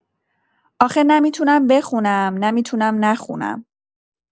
آخه نه می‌تونم بخونم نه می‌تونم نخونم